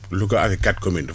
Louga ak quatre communes